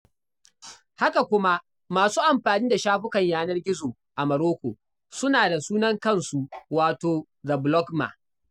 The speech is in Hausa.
Haka kuma, masu amfani da shafukan yanar gizo a Morocco suna da sunan kansu wato 'the Blogoma'